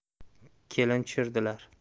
kelin tushirdilar